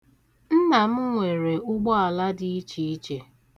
Nna m nwere ụgbọala dị ichiiche.